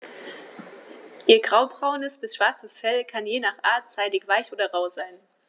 Ihr graubraunes bis schwarzes Fell kann je nach Art seidig-weich oder rau sein.